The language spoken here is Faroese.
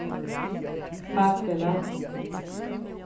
fakfelag